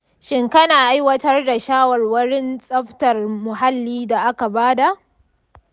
shin kana aiwatar da shawarwarin tsaftar muhalli da aka ba da?